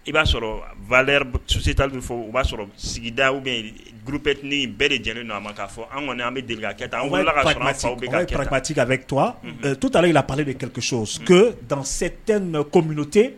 I b'a sɔrɔ valeur b sociétale be fɔ o b'a sɔrɔ sigida ou bien groupe ethnie bɛɛ de jɛnnen do a ma k'a fɔ anw ŋɔni an be deli k'a kɛ tan an wulila k'a sɔrɔ an faw be k'a kɛ tan on va être pragmatique avec toi unhun tout à l'heure il a parlé de quelque chose que dans certaines communautés unhun